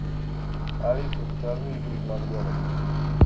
алиса закажи еду из макдональдса